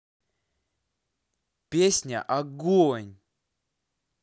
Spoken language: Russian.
песня огонь